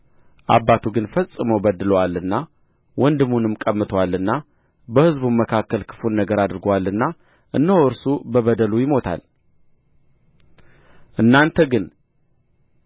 አባቱ ግን ፈጽሞ በድሎአልና ወንድሙንም ቀምቶአልና በሕዝቡም መካከል ክፉን ነገር አድርጎአልና እነሆ እርሱ በበደሉ ይሞታል እናንተ ግን